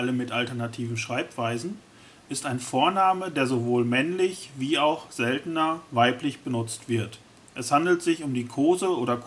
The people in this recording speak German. mit alternativen Schreibweisen)) ist ein Vorname, der sowohl männlich wie auch (seltener) weiblich genutzt wird. Es handelt sich um die Kose - oder